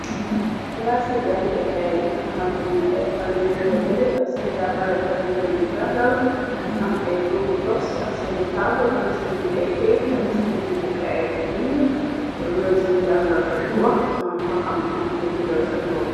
plaa ci jangeekaay yina xamante na yi ay xale ñoo koy daje ak seen jàngalalkat ñu leen di jangal ñu am ay toogu tox ci ak seeni taabul ame seeni ay këyit ame seen bindukoay di bind ba lu leen seen jangalkat bu wox ñu mën ko xam mën kuy bindal seen bopp.